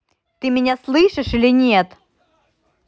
ты меня слышишь или нет